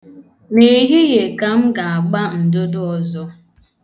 N'ehihie ka m ga-agba ndụdụ ọzọ.